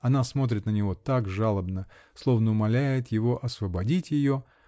она смотрит на него так жалобно, словно умоляет его освободить ее.